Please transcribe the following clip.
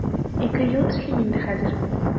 Ике ел эшлим инде хәзер.